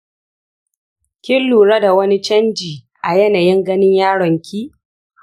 kin lura da wani canji a yanayin ganin yaron ki?